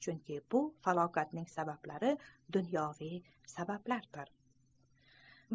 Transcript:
chunki bu falokatning sabablari dunyoviy sabablardir